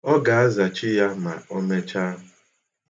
Ọ ga-azachi ya ma o mechaa.